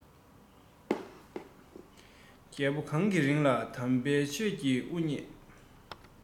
རྒྱལ པོ གང གི རིང ལ དམ པའི ཆོས ཀྱི དབུ བརྙེས